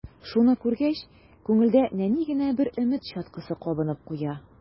Шуны күргәч, күңелдә нәни генә бер өмет чаткысы кабынып куя.